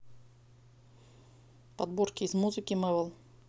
подборки из музыки мэвл